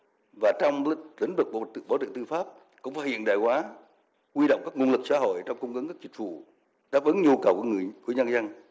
và trong lĩnh vực bộ tự bổ trợ tư pháp cũng phải hiện đại quá huy động các nguồn lực xã hội trong cung ứng dịch vụ đáp ứng nhu cầu của ngừi của nhân dân